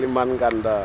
Elimane Nganda